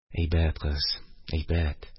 Әйбәт кыз, әйбәт.